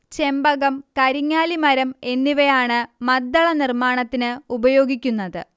ചെമ്പകം കരിങ്ങാലി മരം എന്നിവയാണ് മദ്ദള നിർമ്മാണത്തിന് ഉപയോഗിക്കുന്നത്